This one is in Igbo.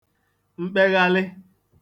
mkpeghalị